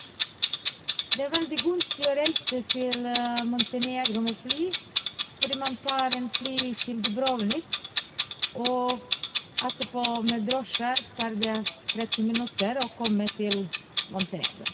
Det er veldig gunstig å reise til Montenegro med fly fordi man tar en fly til Dubrovnik og f etterpå med drosje tar det tretti minutter å komme til Montenegro.